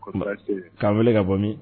Kɔni baasi tɛ yen? K'an wele ka bɔ min?